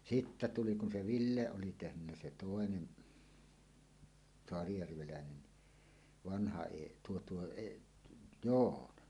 sitten tuli kun se Ville oli tehnyt se toinen saarijärveläinen niin vanha - tuo tuo - Joona -